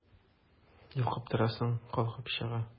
Йолкып торасың, калкып чыга...